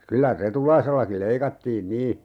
kyllä Retulaisellakin leikattiin niin